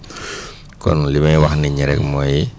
kon li may wax nit ñi rek mooy